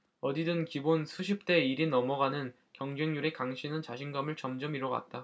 어디든 기본 수십대 일 이 넘어가는 경쟁률에 강 씨는 자신감을 점점 잃어 갔다